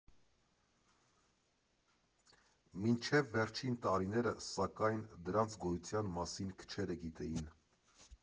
Մինչև վերջին տարիները, սակայն, դրանց գոյության մասին քչերը գիտեին։